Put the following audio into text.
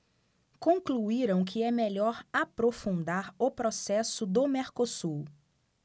concluíram que é melhor aprofundar o processo do mercosul